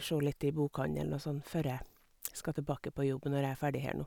Sjå litt i bokhandelen og sånn, før jeg skal tilbake på jobb når jeg er ferdig her nå.